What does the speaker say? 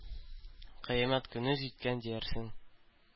Кыямәт көне җиткән диярсең.